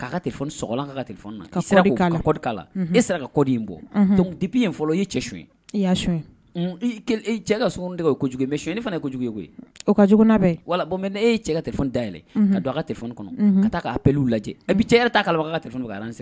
' ka tɛ slɔn la ka sira kɔ' la e sera ka kɔ in bɔcpi in fɔlɔ i ye cɛ y'a cɛ kaurun ye ko kojugu bɛ so ne fana ye ko kojugu ye koyi o ka jugunaa bɛ wala mɛ e ye cɛ ka tɛ da yɛlɛɛlɛn ka don a ka tɛ kɔnɔ ka taa k'a pellu lajɛ a bɛ cɛ yɛrɛ ta' ka tɛ